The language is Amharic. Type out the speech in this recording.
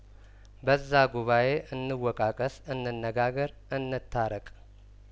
በዛ ጉባኤ እንወቃ ቀስ እንነጋገር እንታረቅ